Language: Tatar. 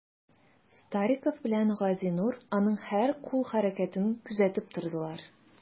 Стариков белән Газинур аның һәр кул хәрәкәтен күзәтеп тордылар.